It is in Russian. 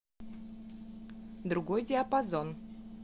другой диапазон